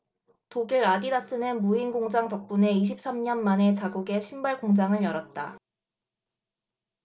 독일 아디다스는 무인공장 덕분에 이십 삼 년 만에 자국에 신발공장을 열었다